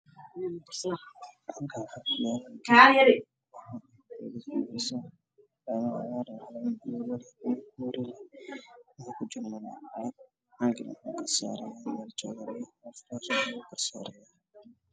Waa qoo waxaa ii muuqda ubax